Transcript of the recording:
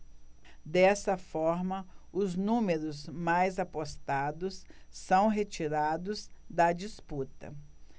dessa forma os números mais apostados são retirados da disputa